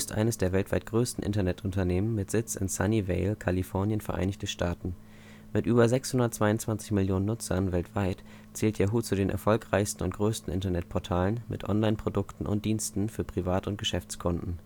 eines der weltweit größten Internetunternehmen mit Sitz in Sunnyvale (Kalifornien, Vereinigte Staaten). Mit über 622 Millionen Nutzern weltweit zählt Yahoo zu den erfolgreichsten und größten Internetportalen mit Online-Produkten und - diensten für Privat - und Geschäftskunden